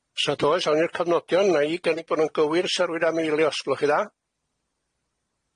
'Snad oes, awn ni'r codnodion, na i gynnig bod yn gywir, sa rwyn am eilio os, gwelwch chi dda?